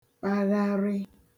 pagharị